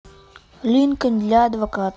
линкольн для адвоката